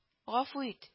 Гафу ит